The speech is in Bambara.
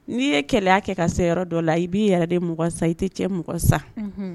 N'i ye keleya kɛ ka se yɔrɔ dɔ la i b'i yɛrɛ de mako sa i tɛ cɛ mako sa; Unhun;